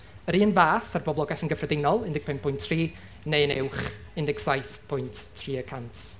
yr un fath â'r boblogaeth yn gyffredinol, un deg pump pwynt tri, neu'n uwch, un deg saith pwynt tri y cant